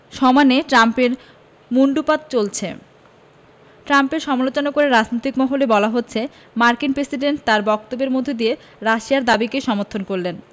সমানে ট্রাম্পের মুণ্ডুপাত চলছে ট্রাম্পের সমালোচনা করে রাজনৈতিক মহলে বলা হচ্ছে মার্কিন প্রেসিডেন্ট তাঁর বক্তব্যের মধ্য দিয়ে রাশিয়ার দাবিকেই সমর্থন করলেন